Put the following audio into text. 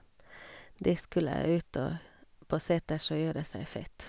De skulle ut og på seters og gjøre seg fet.